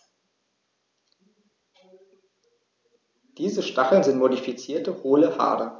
Diese Stacheln sind modifizierte, hohle Haare.